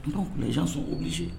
U' kujan sɔn o bise